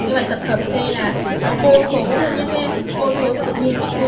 tập hợp c là có vô số luôn nhắc em một số tự nhiên x